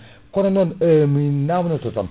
kono non mi namdoto tan